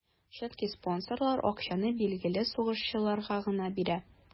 Чөнки спонсорлар акчаны билгеле сугышчыларга гына бирә.